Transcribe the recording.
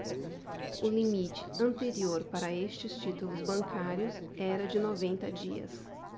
o limite anterior para estes títulos bancários era de noventa dias